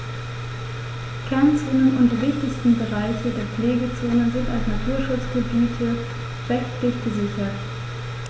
Kernzonen und die wichtigsten Bereiche der Pflegezone sind als Naturschutzgebiete rechtlich gesichert.